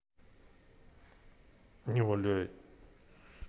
не валяй